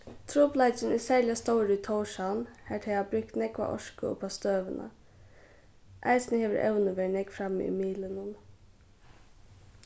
trupulleikin er serliga stórur í tórshavn har tey hava brúkt nógva orku uppá støðuna eisini hevur evnið verið nógv frammi í miðlunum